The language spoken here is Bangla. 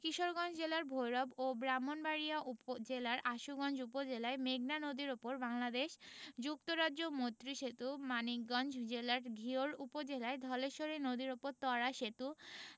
কিশোরগঞ্জ জেলার ভৈরব ও ব্রাহ্মণবাড়িয়া জেলার আশুগঞ্জ উপজেলায় মেঘনা নদীর উপর বাংলাদেশ যুক্তরাজ্য মৈত্রী সেতু মানিকগঞ্জ জেলার ঘিওর উপজেলায় ধলেশ্বরী নদীর উপর ত্বরা সেতু